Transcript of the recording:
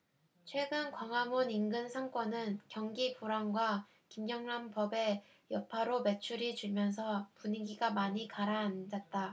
최근 광화문 인근 상권은 경기 불황과 김영란법의 여파로 매출이 줄면서 분위기가 많이 가라앉았다